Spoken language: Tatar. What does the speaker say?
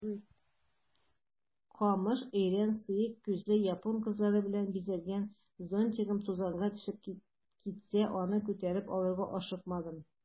Камыш өйләр, кыек күзле япон кызлары белән бизәлгән зонтигым тузанга төшеп китсә, аны күтәреп алырга ашыкмадым.